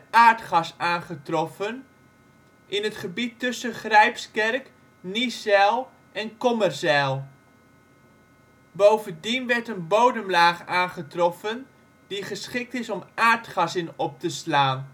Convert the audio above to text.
aardgas aangetroffen in het gebied tussen Grijpskerk, Niezijl en Kommerzijl. Bovendien werd een bodemlaag aangetroffen die geschikt is om aardgas in op te slaan